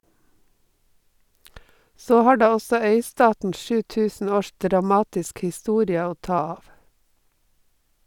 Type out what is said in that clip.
Så har da også øystaten 7000 års dramatisk historie å ta av.